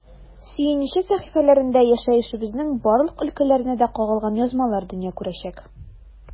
“сөенче” сәхифәләрендә яшәешебезнең барлык өлкәләренә дә кагылган язмалар дөнья күрәчәк.